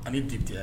Ani di tɛ